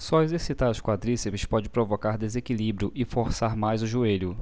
só exercitar o quadríceps pode provocar desequilíbrio e forçar mais o joelho